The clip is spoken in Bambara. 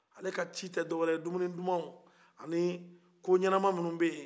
ale ka ci tɛ dɔwɛrɛ dun mini duman ani koɲɛnɛma minnu bɛ ye